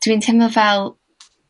dwi'n teimlon fel